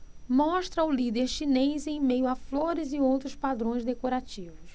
mostra o líder chinês em meio a flores e outros padrões decorativos